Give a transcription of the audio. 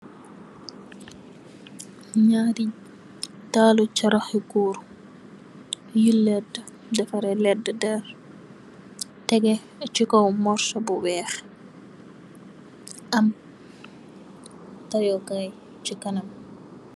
Nyari dalle charah bu goor yu ledeh dafare ledeh derr tegeh che kaw mursu bu weex am teyu kaye se kanam.